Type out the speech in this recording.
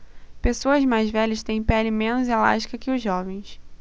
pessoas mais velhas têm pele menos elástica que os jovens